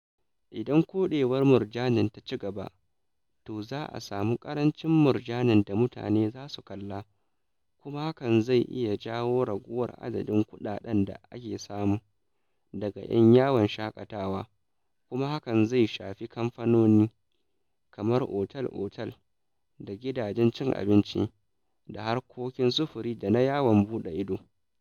Idan koɗewar murjanin ta cigaba, to za a samu ƙarancin murjanin da mutane za su kalla kuma hakan zai iya jawo raguwar adadin kuɗaɗen da ake samu daga 'yan yawon shaƙatawa, kuma hakan zai shafi kamfanoni kamar otel-otel da gidajen cin abinci da harkokin sufuri da na yawon buɗe ido.